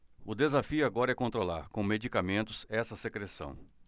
o desafio agora é controlar com medicamentos essa secreção